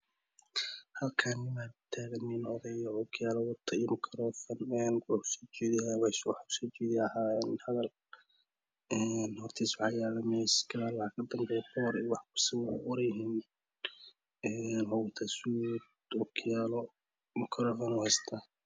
Halkan waxaa taagan nin odey oo wata okiyaalo iyo mikaroofan waxuu so jeedinayaa hadal hortiisa waxaa yala miis waxaa kadanpeeyo poor oo wax ku qorqoran yihiin waxuu wataa suud ookiyaalo waxuu hestaa makarafoon